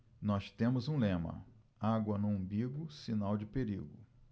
nós temos um lema água no umbigo sinal de perigo